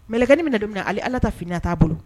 Mɛlɛkɛnin bɛna don min na hali alata fini t'a bolo!